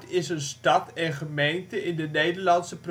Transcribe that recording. is een stad en gemeente in de Nederlandse